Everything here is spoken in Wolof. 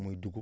muy dugub